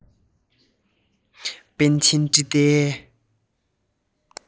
པཎ ཆེན སྨྲི ཏིའི